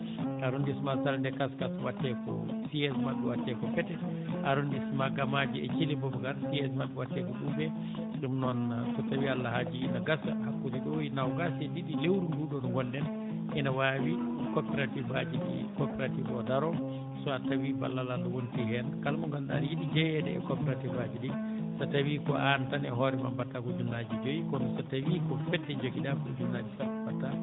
arrondissement Ka* e Kaskas waɗetee ko siége maɓɓe waɗetee ko Pete arrondissement Gamadji e Ciile Boubacara siége maɓɓe waɗetee Ɓuuɓe ɗum noon so tawii Allah haajii no gasa hakkunde ɗoo e noogaas e ɗiɗi lewru nduu ɗoo ndu ngonɗen ina waawi coopératif aji ɗi coopératif o daro soit so tawii ballal wontii heen kala mo ngannduɗaa ne yiɗi jeyeede e coopératif aji ɗi so tawii ko aan tan e hoore maa mbaɗataa ko ujunnaaje joyi kono so tawii ko fedde jogiɗa ko ujunnaaje sappo